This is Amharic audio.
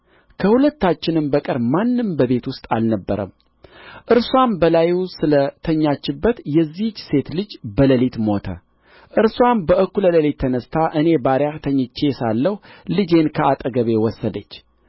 ከሁለታችንም በቀር ማንም በቤት ውስጥ አልነበረም እርስዋም በላዩ ስለ ተኛችበት የዚህች ሴት ልጅ በሌሊት ሞተ እርስዋም በእኩለ ሌሊት ተነሥታ እኔ ባሪያህ ተኝቼ ሳለሁ ልጄን ከአጠገቤ ወሰደች